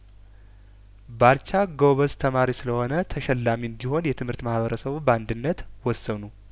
ባልቻ ጐበዝ ተማሪ ስለሆነ ተሸላሚ እንዲሆን የትምህርት ማህበረሰቡ ባንድነት ወሰኑ